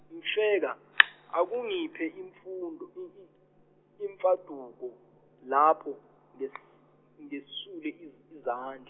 Mfeka akungiphe imfudo i- i- imfaduko lapho nges- ngesule iz- izandl-.